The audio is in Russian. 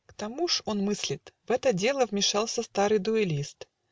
К тому ж - он мыслит - в это дело Вмешался старый дуэлист